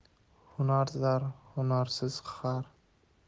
hunar zar hunarsiz xar